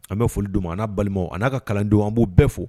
An bɛ foli di ma an balimaw an n'a ka kalandenw an b'u bɛɛ fo